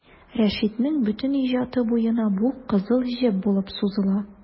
Рәшитнең бөтен иҗаты буена бу кызыл җеп булып сузыла.